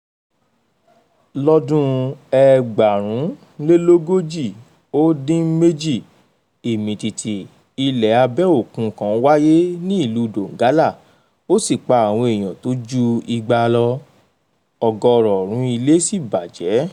Lọ́dún 1938, ìmìtìtì ilẹ̀ abẹ́ òkun kan wáyé ní ìlú Donggala, ó sì pa àwọn èèyàn tó ju igba [200] lọ, ọgọ́rọ̀ọ̀rún ilé sì bà jẹ́.